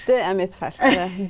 det er mitt felt .